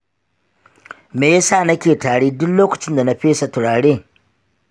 me yasa nake tari duk lokacin da na fesa turare?